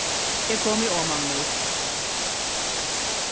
eg komi oman nú